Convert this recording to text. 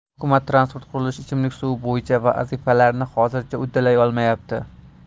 hukumat transport qurilish ichimlik suvi bo'yicha vazifalarini hozircha uddalay olmayapti